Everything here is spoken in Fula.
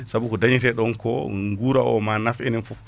saabu ko dañate ɗon ko guura o ma naf enen foof